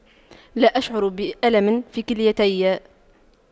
لا أشعر بألم في كليتي